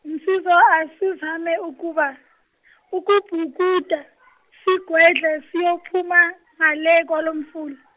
nsizwa asizame ukuba- ukubhukuda sigwedle siyophuma ngale kwalo mfula.